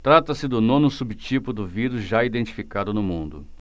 trata-se do nono subtipo do vírus já identificado no mundo